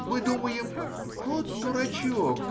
Мы думаем: Вот дурачок!